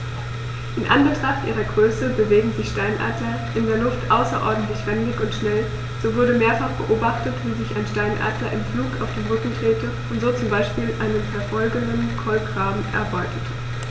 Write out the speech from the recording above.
In Anbetracht ihrer Größe bewegen sich Steinadler in der Luft außerordentlich wendig und schnell, so wurde mehrfach beobachtet, wie sich ein Steinadler im Flug auf den Rücken drehte und so zum Beispiel einen verfolgenden Kolkraben erbeutete.